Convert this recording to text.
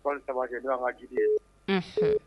Kosaba kɛ' ma hakili ye